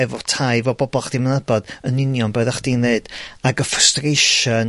efo tai 'fo bobol chdi dim yn nabod, yn union be' oeddach chdi'n ddeud. Ag y frustration